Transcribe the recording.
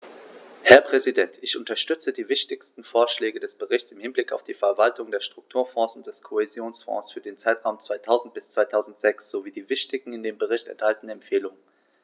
Herr Präsident, ich unterstütze die wichtigsten Vorschläge des Berichts im Hinblick auf die Verwaltung der Strukturfonds und des Kohäsionsfonds für den Zeitraum 2000-2006 sowie die wichtigsten in dem Bericht enthaltenen Empfehlungen.